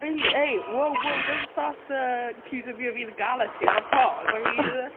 Hei hei, woah woah don't start yy accusin' me of illegality ar y pod, I mean...